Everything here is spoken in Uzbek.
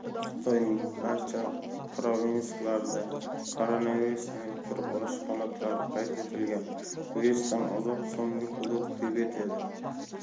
xitoyning barcha provinsiyalarida koronavirusni yuqtirib olish holatlari qayd etilgan virusdan ozod so'nggi hudud tibet edi